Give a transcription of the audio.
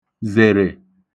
zèrè